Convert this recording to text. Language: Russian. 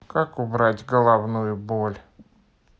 как убрать головную боль